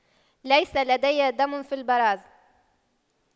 ليس لدي دم في البراز